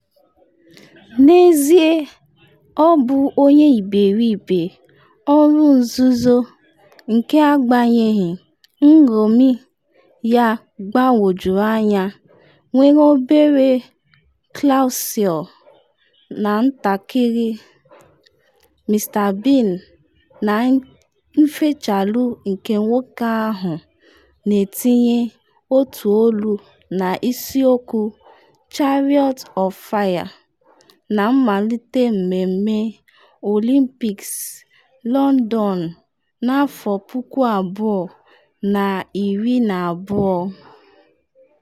N’ezie ọ bụ onye iberibe ọrụ nzuzo nke agbanyeghị ṅṅomi ya gbagwojuru anya, nwere obere Clouseau, ntakịrị Mr Bean na nfechalụ nke nwoke ahụ n’etinye otu olu na isiokwu Chariots of Fire na mmalite mmemme Olympics London 2012.